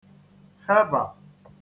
hebà